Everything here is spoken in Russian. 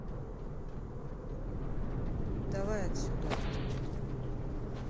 давай отсюда